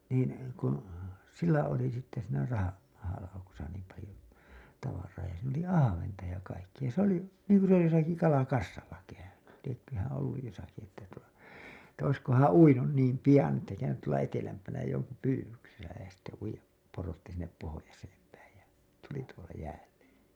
niin kun sillä oli sitten siinä - mahalaukussa niin paljon tavaraa ja siinä oli ahventa ja kaikkea se oli niin kuin se jossakin kalakassalla käynyt lieköhän ollut jossakin että tuo että olisikohan uinut niin pian että käynyt tuolla etelämpänä jonkun pyydyksessä ja sitten uida porotti sinne pohjoiseen päin ja tuli tuolla jäälle